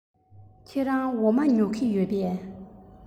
ཁྱེད རང འོ མ ཉོ གི ཡོད པས